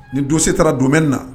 Nin don taara don na